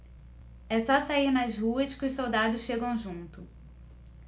é só sair nas ruas que os soldados chegam junto